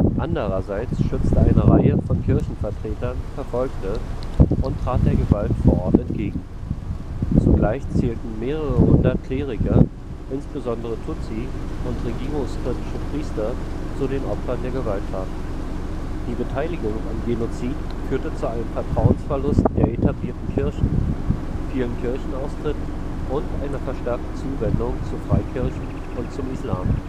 Andererseits schützte eine Reihe von Kirchenvertretern Verfolgte und trat der Gewalt vor Ort entgegen. Zugleich zählten mehrere Hundert Kleriker, insbesondere Tutsi und regierungskritische Priester, zu den Opfern der Gewalttaten. Die Beteiligung am Genozid führte zu einem Vertrauensverlust der etablierten Kirchen, vielen Kirchenaustritten und einer verstärkten Zuwendung zu Freikirchen und zum Islam